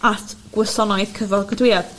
at Gwasonaeth Cyflogadwyedd.